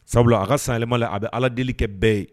Sabula a ka saɛlɛma a bɛ ala deli kɛ bɛɛ ye